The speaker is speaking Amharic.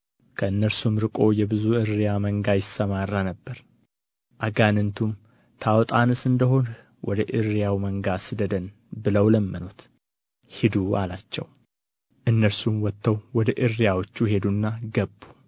ከእነርሱም ርቆ የብዙ እሪያ መንጋ ይሰማራ ነበር አጋንንቱም ታወጣንስ እንደሆንህ ወደ እሪያው መንጋ ስደደን ብለው ለመኑት ሂዱ አላቸው እነርሱም ወጥተው ወደ እሪያዎቹ ሄዱና ገቡ